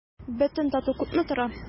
Бөтен тату күпме тора?